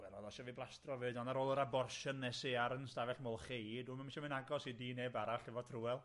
Wel, odd o isio fi blastro fyd, ond ar ôl yr abortion nes i ar 'yn stafell molchi i, dwi'm yn isio mynd agos i dŷ neb arall efo trywel.